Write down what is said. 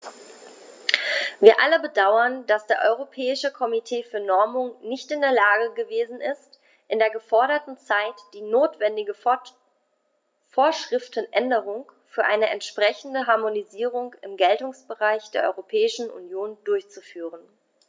Wir alle bedauern, dass das Europäische Komitee für Normung nicht in der Lage gewesen ist, in der geforderten Zeit die notwendige Vorschriftenänderung für eine entsprechende Harmonisierung im Geltungsbereich der Europäischen Union durchzuführen.